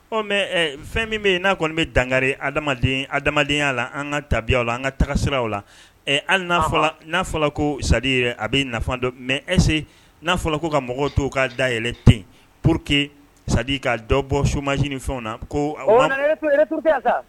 O mɛ fɛn min bɛ yen n'a kɔni bɛ dangare adama adamadenyaya la an ka dabi aw la an ka tagasira o la hali n'a fɔra ko sadi yɛrɛ a bɛ dɔn mɛ ɛse n'a fɔra ko ka mɔgɔw to ka day yɛlɛɛlɛ ten po que sadi ka dɔ bɔ sumasni fɛn na ko